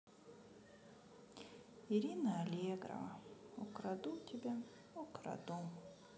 ирина аллегрова украду тебя украду